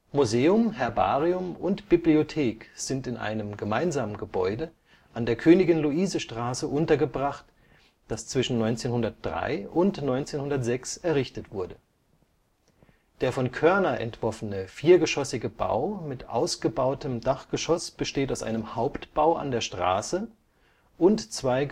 Museum, Herbarium und Bibliothek sind in einem gemeinsamen Gebäude an der Königin-Luise-Straße untergebracht, das zwischen 1903 und 1906 errichtet wurde. Der von Koerner entworfene viergeschossige Bau mit ausgebautem Dachgeschoss besteht aus einem Hauptbau an der Straße und zwei